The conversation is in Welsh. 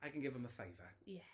I can give 'em a fiver... Ie.